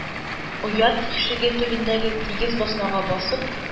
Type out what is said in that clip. Оя тишеге төбендәге тигез басмага басып